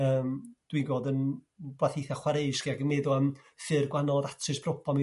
yrm dwi gweld yn 'wbath eithia chwareus 'lly ag yn meddwl am ffyr' gwa'nol o ddatrys problam